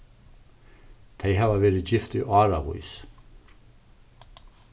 tey hava verið gift í áravís